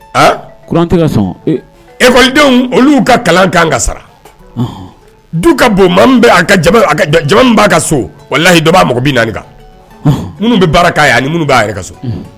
An! courant tɛ ka sɔn e ekɔlidenw olu ka kalan kan ka sara, Ɔnhɔn, du ka bon maa min b’a ka jaman min b’a ka so walahi dɔ b’a mɔgɔ binannin kan, Han, minnu b’i baara k’a ye ani minnu b’a yɛrɛ ka so, unhun